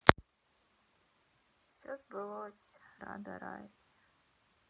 все сбылось рада рай